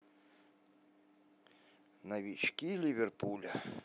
новички ливерпуля